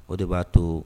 O de b'a to